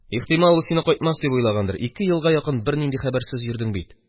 Ихтимал, ул сине кайтмас дип уйлагандыр, ике елга якын бернинди хәбәрсез йөрдең бит.